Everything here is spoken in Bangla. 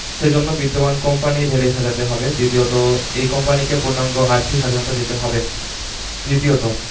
সে জন্য বিদ্যমান কোম্পানি ঢেলে সাজাতে হবে দ্বিতীয়ত এই কোম্পানিকে পূর্ণাঙ্গ আর্থিক স্বাধীনতা দিতে হবে তৃতীয়ত